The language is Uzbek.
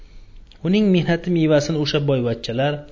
uning mehnati mevasini usha boyvachchalar